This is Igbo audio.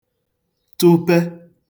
tụpe